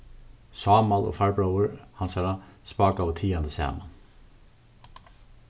sámal og farbróðir hansara spákaðu tigandi saman